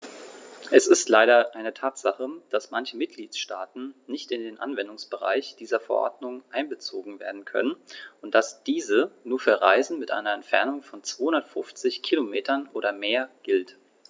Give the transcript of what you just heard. Es ist leider eine Tatsache, dass manche Mitgliedstaaten nicht in den Anwendungsbereich dieser Verordnung einbezogen werden können und dass diese nur für Reisen mit einer Entfernung von 250 km oder mehr gilt.